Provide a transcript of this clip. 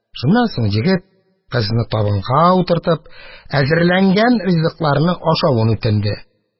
Шуннан соң егет, кызны табынга утыртып, әзерләнгән ризыкларны ашавын үтенде.